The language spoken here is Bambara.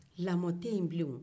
lamɔ tɛ yen bilen woo